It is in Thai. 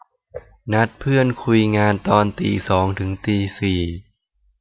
นัดเพื่อนคุยงานตอนตีสองถึงตีสี่